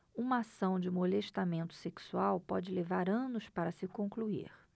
uma ação de molestamento sexual pode levar anos para se concluir